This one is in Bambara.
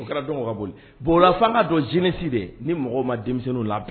U kɛra ka boli bonlafan ka dɔn jsin dɛ ni mɔgɔ ma denmisɛnnin labɛn